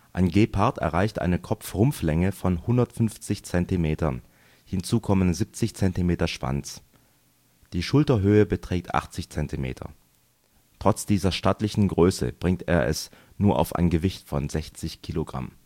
Ein Gepard erreicht eine Kopfrumpflänge von 150 cm, hinzu kommen 70 cm Schwanz. Die Schulterhöhe beträgt 80 cm. Trotz dieser stattlichen Größe bringt er es nur auf ein Gewicht von 60 kg